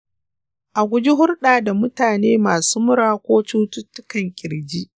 a guji hulɗa da mutane masu mura ko cututtukan ƙirji.